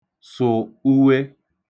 sụ̀ ūwē